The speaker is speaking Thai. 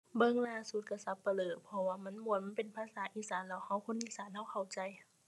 เบิ่งล่าสุดก็สัปเหร่อเพราะว่ามันม่วนมันเป็นภาษาอีสานแล้วก็คนอีสานก็เข้าใจ